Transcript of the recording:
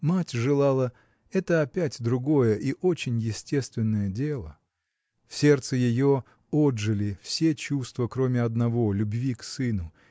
Мать желала – это опять другое и очень естественное дело. В сердце ее отжили все чувства кроме одного – любви к сыну